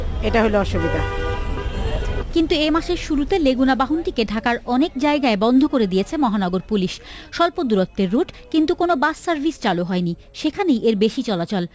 এটা হইলো অসুবিধা কিন্তু এই মাসের শুরুতে লেগুনা বাহন থেকে ঢাকার অনেক জায়গায় বন্ধ করে দিয়েছে মহানগর পুলিশ স্বল্প দূরত্বের রুট কিন্তু কোন বাস সার্ভিস চালু হয় নি সেখানেই এর বেশি চলাচল